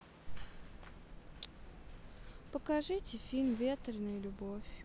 покажите фильм ветреная любовь